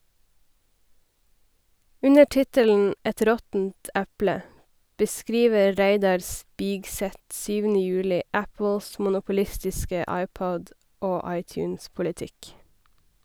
Under tittelen "Et råttent eple" beskriver Reidar Spigseth 7. juli Apples monopolistiske iPod- og iTunes-politikk.